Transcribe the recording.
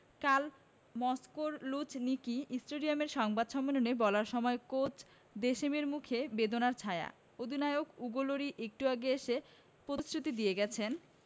কাল মস্কোর লুঝনিকি স্টেডিয়ামের সংবাদ সম্মেলনে বলার সময়ও কোচ দেশমের মুখে বেদনার ছায়া অধিনায়ক উগো লরি একটু আগে এসে প্রতিশ্রুতি দিয়ে গেছেন